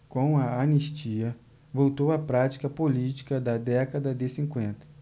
com a anistia voltou a prática política da década de cinquenta